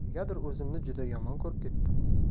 negadir o'zimni juda yomon ko'rib ketdim